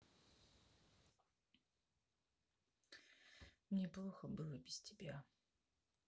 мне плохо было бы без тебя